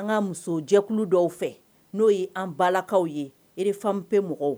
An ka musojɛkulu dɔw fɛ, n'o ye an balakaw ye, EREFEMMEP mɔgɔw